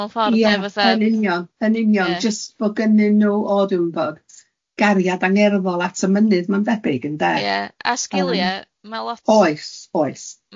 mewn ffor de fatha... Ia, yn union, yn union jys bo gynnyn nw o dwi'm 'bod, gariad angerddol at y mynydd ma'n debyg ynde? Ia, a sgilia ma' lot...Oes, oes.